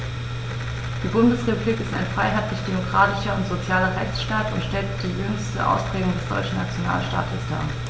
Die Bundesrepublik ist ein freiheitlich-demokratischer und sozialer Rechtsstaat und stellt die jüngste Ausprägung des deutschen Nationalstaates dar.